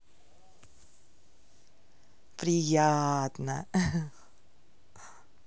приятно